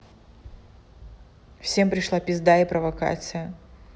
всем пришла пизда и провокация